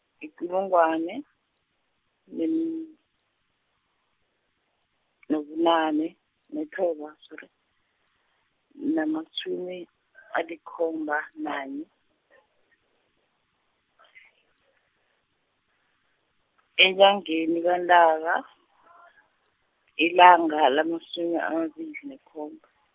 yikulungwana, nem-, nobunane, nethoba , namatjhumi, alikhomba nanye, enyangeni kaNtaka, ilanga lamasumi amabili nekhomba.